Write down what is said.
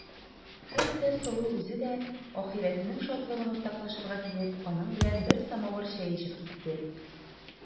Хәтта Сылу үзе дә ахирәтенең шатлыгын уртаклашырга килеп, аның белән бер самавыр чәй эчеп китте.